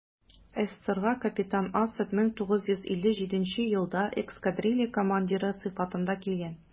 СССРга капитан Асад 1957 елда эскадрилья командиры сыйфатында килгән.